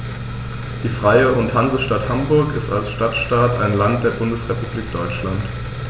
Die Freie und Hansestadt Hamburg ist als Stadtstaat ein Land der Bundesrepublik Deutschland.